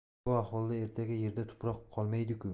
bu ahvolda ertaga yerda tuproq qolmaydiku